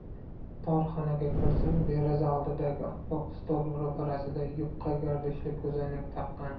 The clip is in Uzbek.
tor xonaga kirsam deraza oldidagi oppoq stol ro'parasida yupqa gardishli ko'zoynak taqqan